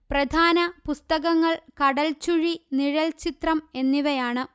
പ്രധാന പുസ്തകങ്ങൾ കടല്ച്ചുഴി നിഴല്ചിത്രം എന്നിവയാണ്